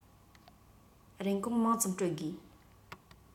རིན གོང མང ཙམ སྤྲོད དགོས